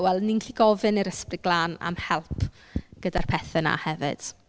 Wel ni'n gallu gofyn i'r Ysbryd Glân am help gyda'r pethe 'na hefyd.